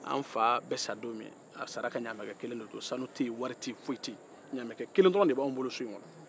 an fa bɛ sa don min a sara ka ɲamɛkɛkelen de to sanu tɛ ye wari tɛ ye ɲamɛkɛkelen dɔrɔn de b'an bolo so in kɔnɔ